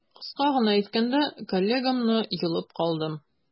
Кыска гына әйткәндә, коллегамны йолып калдым.